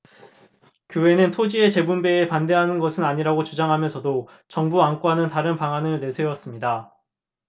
교회는 토지의 재분배에 반대하는 것은 아니라고 주장하면서도 정부 안과는 다른 방안을 내세웠습니다